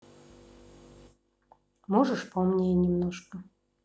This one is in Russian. можешь поумнее немножко